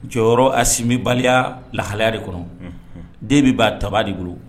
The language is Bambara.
Jɔyɔrɔ a sibaliya lahaya de kɔnɔ den bɛ'a taba de bolo